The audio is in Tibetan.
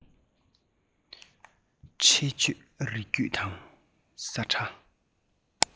འཕྲེད གཅོད རི རྒྱུད ཀྱི ས ཁྲ